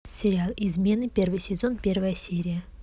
сериал измены первый сезон первая серия